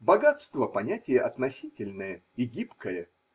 Богатство – понятие относительное и гибкое.